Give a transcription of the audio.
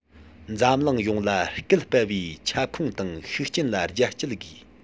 འཛམ གླིང ཡོངས ལ སྐུལ སྤེལ བའི ཁྱབ ཁོངས དང ཤུགས རྐྱེན ལ རྒྱ བསྐྱེད དགོས